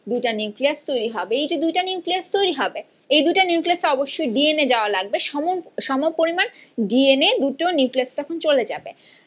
দুটা নিউক্লিয়াস তৈরি হবে এই যে দুটো নিউক্লিয়াস তৈরি হবে এই দুটো নিউক্লিয়াসে অবশ্যই ডিএনএ যাওয়া লাগবে সমপরিমাণ ডিএনএ তখন দুটো নিউক্লিয়াস চলে যাবে